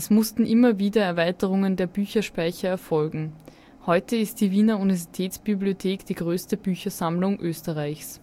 mussten immer wieder Erweiterungen der Bücherspeicher erfolgen. Heute ist die Wiener Universitätsbibliothek die größte Büchersammlung Österreichs